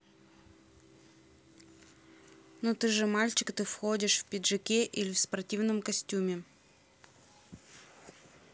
ну ты же мальчик ты входишь в пиджаке или в спортивном костюме